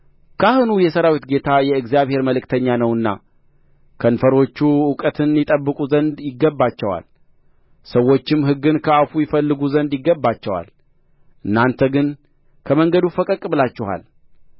ካህኑ የሠራዊት ጌታ የእግዚአብሔር መልእክተኛ ነውና ከንፈሮቹ እውቀትን ይጠብቁ ዘንድ ይገባቸዋል ሰዎችም ሕግን ከአፉ ይፈልጉ ዘንድ ይገባቸዋል እናንተ ግን ከመንገዱ ፈቀቅ ብላችኋል